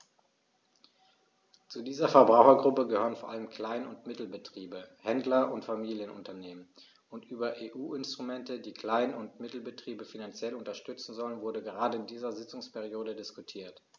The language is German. Zu dieser Verbrauchergruppe gehören vor allem Klein- und Mittelbetriebe, Händler und Familienunternehmen, und über EU-Instrumente, die Klein- und Mittelbetriebe finanziell unterstützen sollen, wurde gerade in dieser Sitzungsperiode diskutiert.